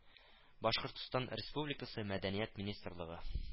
Башкортстан Республикасы Мәдәният министрлыгы